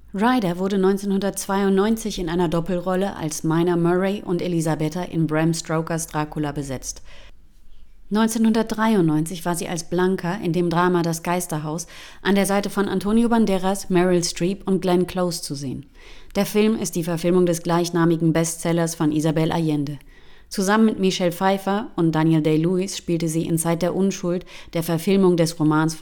Ryder wurde 1992 in einer Doppelrolle als Mina Murray und Elisabeta in Bram Stoker’ s Dracula besetzt. 1993 war sie als Blanca in dem Drama Das Geisterhaus an der Seite von Antonio Banderas, Meryl Streep und Glenn Close zu sehen. Der Film ist die Verfilmung des gleichnamigen Bestsellers von Isabel Allende. Zusammen mit Michelle Pfeiffer und Daniel Day-Lewis spielte sie in Zeit der Unschuld, der Verfilmung des Romans